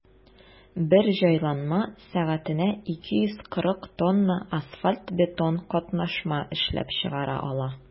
Бер җайланма сәгатенә 240 тонна асфальт–бетон катнашма эшләп чыгара ала.